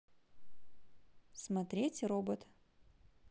смотреть робот